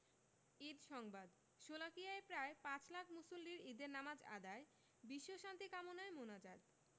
ঈদ সংবাদ শোলাকিয়ায় প্রায় পাঁচ লাখ মুসল্লির ঈদের নামাজ আদায় বিশ্বশান্তি কামনায় মোনাজাত